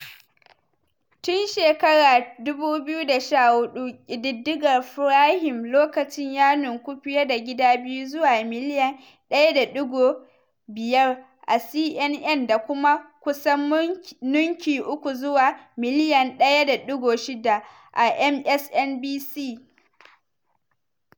Tun 2014, kididdigar firayim lokaci ya nunku fiye da gida biyu zuwa miliyan 1.05 a CNN da kuma kusan nunki uku zuwa miliyan 1.6 a MSNBC.